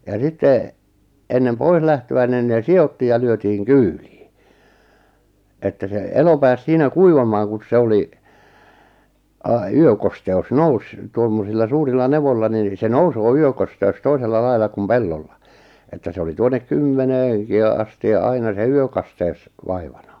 ja sitten ennen pois lähtöä niin ne sidottiin ja lyötiin kyytiin että se elo pääsi siinä kuivamaan kun se oli - yökosteus nousi tuommoisilla suurilla nevoilla niin se nousee yökosteus toisella lailla kuin pellolla että se oli tuonne - kymmeneenkin ja asti ja aina se yökasteus vaivana